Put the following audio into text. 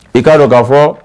I k'a don k'a fɔ